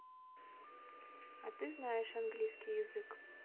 а ты знаешь английский язык